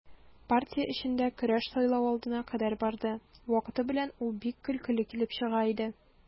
Партия эчендә көрәш сайлау алдына кадәр барды, вакыты белән ул бик көлкеле килеп чыга иде.